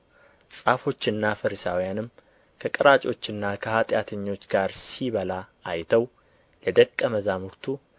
ጻፎችና ፈሪሳውያንም ከቀራጮችና ከኃጢአተኞች ጋር ሲበላ አይተው ለደቀ መዛሙርቱ